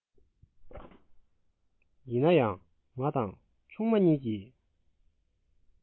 ཡིན ན ཡང ང དང ཆུང མ གཉིས ཀྱིས